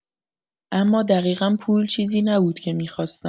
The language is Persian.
اما دقیقا پول چیزی نبود که می‌خواستم.